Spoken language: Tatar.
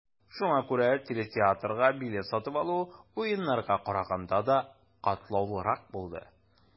Шуңа күрә телетеатрга билет сатып алу, Уеннарга караганда да катлаулырак булды.